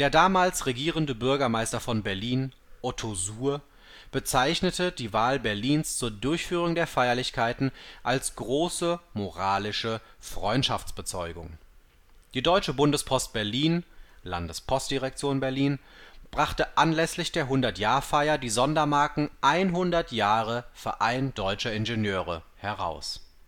damals regierende Bürgermeister von Berlin, Otto Suhr, bezeichnete die Wahl Berlins zur Durchführung der Feierlichkeiten als große moralische Freundschaftsbezeugung. Die Deutsche Bundespost Berlin (Landespostdirektion Berlin) brachte anlässlich der Hundertjahrfeier die Sondermarken „ 100 Jahre Verein Deutscher Ingenieure (VDI) “heraus